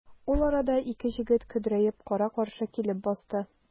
Ул арада ике җегет көдрәеп кара-каршы килеп басты.